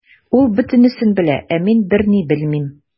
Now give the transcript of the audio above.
Ул бөтенесен белә, ә мин берни белмим.